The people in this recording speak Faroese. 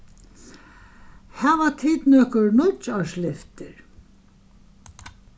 hava tit nøkur nýggjárslyftir